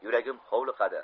yuragim hovliqadi